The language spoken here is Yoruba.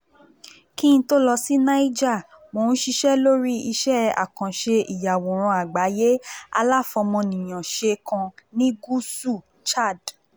Kí n tó lọ sí Niger, mò ń ṣiṣẹ́ lórí iṣẹ́ àkànṣe ìyàwòrán àgbáyé aláfọmọnìyànṣe kan ní Gúúsù Chad.